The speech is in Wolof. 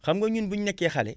xam nga ñun bu ñu nekkee xale